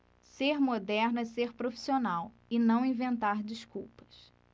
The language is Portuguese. ser moderno é ser profissional e não inventar desculpas